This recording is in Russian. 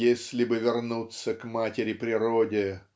если бы вернуться к матери-природе